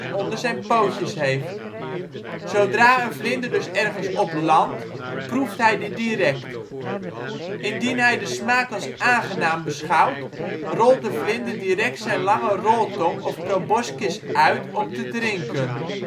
onder zijn pootjes heeft. Zodra een vlinder dus ergens op landt proeft hij dit direct. Indien hij de smaak als aangenaam beschouwt, rolt de vlinder direct zijn lange roltong of proboscis uit om te drinken